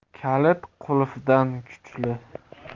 kalit qulfdan kuchli